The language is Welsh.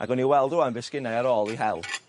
A gewn ni weld rŵan be' sginnau ar ôl i hel.